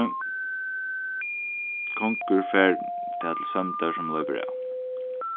kongur fær tað til sømdar sum loypur av